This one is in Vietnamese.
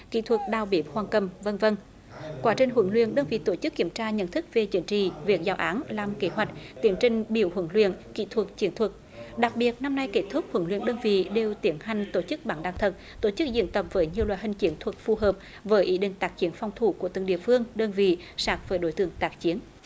kỹ thuật đào bếp hoàng cầm vân vân quá trình huấn luyện đơn vị tổ chức kiểm tra nhận thức về chính trị về giáo án làm kế hoạch tiến trình biểu huấn luyện kỹ thuật chiến thuật đặc biệt năm nay kết thúc huấn luyện đơn vị đều tiến hành tổ chức bắn đạn thật tổ chức diễn tập với nhiều loại hình chiến thuật phù hợp với ý định tác chiến phòng thủ của từng địa phương đơn vị sát với đối tượng tác chiến